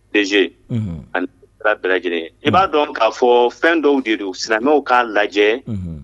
DG unhun, ani sira bɛɛ lajɛlen i b'a dɔn k'a fɔ fɛn dɔw de silamɛw k'a lajɛ, unhun.